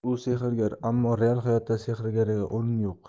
u sehrgar ammo real hayotda sehrga o'rin yo'q